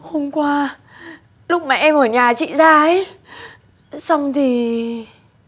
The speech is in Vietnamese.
hôm qua lúc mà em ở nhà chị ra í xong thì